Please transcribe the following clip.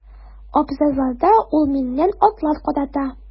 Абзарларда ул миннән атлар карата.